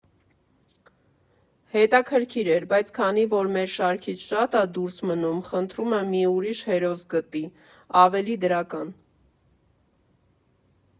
Հետաքրքիր էր, բայց քանի որ մեր շարքից շատ ա դուրս մնում, խնդրում եմ, մի ուրիշ հերոս գտի՝ ավելի դրական։